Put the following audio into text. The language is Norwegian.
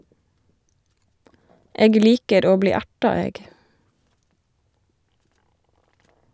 Eg liker å bli erta, eg.